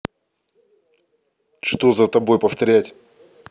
что за тобой повторять